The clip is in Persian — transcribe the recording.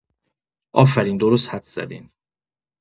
آفرین درست حدس زدین